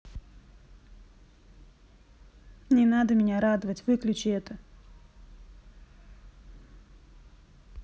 не надо меня радовать выключи это